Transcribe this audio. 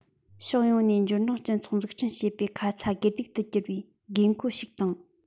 ཕྱོགས ཡོངས ནས འབྱོར འབྲིང སྤྱི ཚོགས འཛུགས སྐྲུན བྱེད པའི ཁ ཚ དགོས གཏུག ཏུ གྱུར བའི དགོས མཁོ ཞིག དང